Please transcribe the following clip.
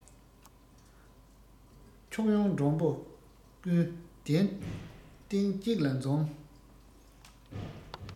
ཕྱོགས ཡོང མགྲོན པོ ཀུན གདན སྟེང གཅིག ལ འཛོམས